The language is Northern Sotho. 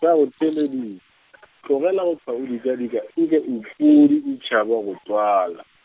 sa go theeledi- , tlogela go dikadika e be o pudi e tšhaba go tswala.